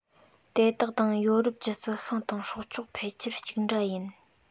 དེ དག དང ཡོ རོབ ཀྱི རྩི ཤིང དང སྲོག ཆགས ཕལ ཆེར གཅིག འདྲ ཡིན